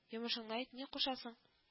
Йомышыңны әйт, ни кушасың